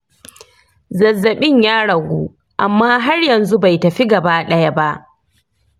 zazzabin ya ragu amma har yanzu bai tafi gaba ɗaya ba.